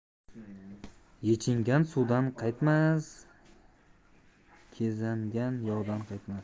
yechingan suvdan qaytmas kezangan yovdan qaytmas